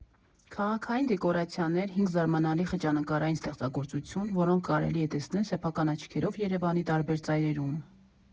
Քաղաքային դեկորացիաներ Հինգ զարմանալի խճանկարային ստեղծագործություն, որոնք կարելի է տեսնել սեփական աչքերով Երևանի տարբեր ծայրերում։